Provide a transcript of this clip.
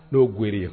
N'o g ye